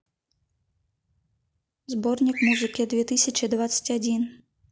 сборник музыки две тысячи двадцать один